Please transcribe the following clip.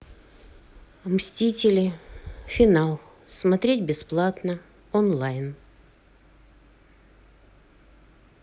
мстители финал смотреть бесплатно онлайн